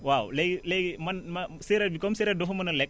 waaw léegi léegi man ma séeréer bi comme séeréer dafa mën a lekk